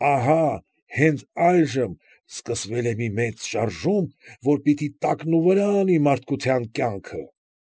Ահա՛ հենց այժմ սկսվել է մի մեծ շարժում, որ պիտի տակնուվրա անի մարդկության կյանքը։